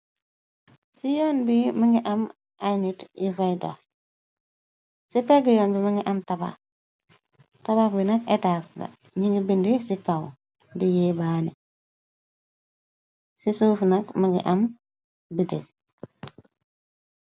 Si yoon bi mogi am ay nitt yu faay dox si peegi yoon bi nak mogi am tabax tabax bi nak itas la ñungi binda ci kaw di yé baane ci suuf nak mogi am bitik.